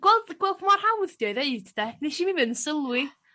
gweld p- gweld mor hawdd 'di o i ddeud 'de nes i'm even sylwi.